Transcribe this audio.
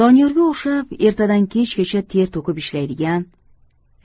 doniyorga o'xshab ertadan kechgacha ter to'kib ishlaydigan